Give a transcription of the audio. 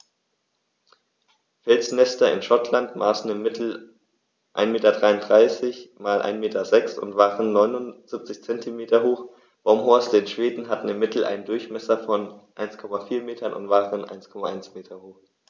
Felsnester in Schottland maßen im Mittel 1,33 m x 1,06 m und waren 0,79 m hoch, Baumhorste in Schweden hatten im Mittel einen Durchmesser von 1,4 m und waren 1,1 m hoch.